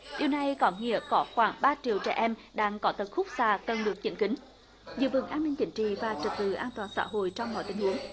điều này có nghĩa có khoảng ba triệu trẻ em đang có tật khúc xạ cần được chỉnh kính giữ vững an ninh chính trị và trật tự an toàn xã hội trong mọi tình huống